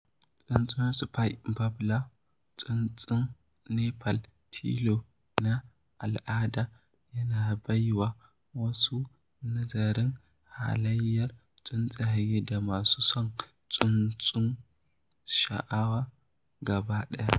Tsuntsun Spiny Babbler, tsuntsun Nepal tilo na al'ada, yana bai wa masu nazarin halayyar tsuntsaye da masu son tsuntsu sha'awa gabaɗaya.